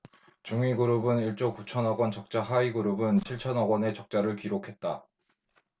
중위그룹은 일 조 구천 억원 적자 하위그룹은 칠천 억원 의 적자를 기록했다